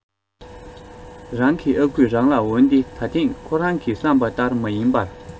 རང གི ཨ ཁུས རང ལ འོན ཏེ ད ཐེངས ཁོ རང གི བསམ པ ལྟར མ ཡིན པར